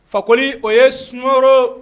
Fakoli o ye sumaworo